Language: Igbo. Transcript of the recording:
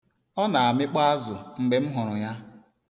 Ọ na-amịkpọ azụ mgbe m hụrụ ya.